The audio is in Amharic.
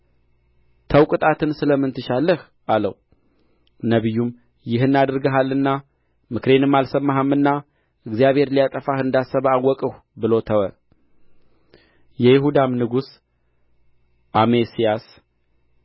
ተው ቅጣትን ስለ ምን ትሻለህ አለው ነቢዩም ይህን አድርገሃልና ምክሬንም አልሰማህምና እግዚአብሔር ሊያጠፋህ እንዳሰበ አወቅሁ ብሎ ተወ የይሁዳም ንጉሥ አሜስያስ